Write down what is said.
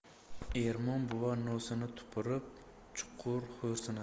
ermon buva nosini tupurib chuqur xo'rsinadi